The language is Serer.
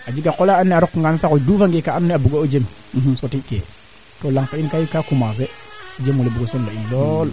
peutr etre xeyna atole manaam o faaxo le duufe duufe le a takwa no yaajelo le qol le